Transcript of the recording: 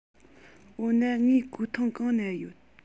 འོ ན ངའི གོས ཐུང གང ན ཡོད